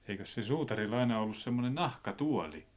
eikös sillä suutarilla aina ollut semmoinen nahkatuoli